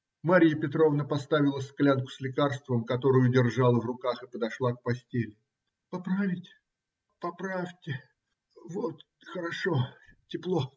Марья Петровна поставила склянку с лекарством, которую держала в руках, и подошла к постели. - Поправить? - Поправьте. Вот хорошо. тепло!.